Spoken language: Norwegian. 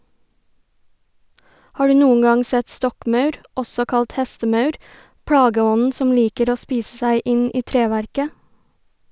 Har du noen gang sett stokkmaur, også kalt hestemaur, plageånden som liker å spise seg inn i treverket?